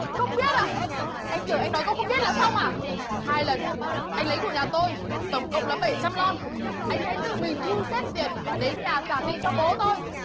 không biết à anh tưởng anh nói câu không biết là xong à hai lần anh lấy của nhà tôi tổng cộng là bảy trăm lon anh hãy tự mình thu xếp tiền và đến nhà trả tiền cho bố tôi